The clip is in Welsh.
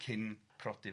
Cyn prodi'r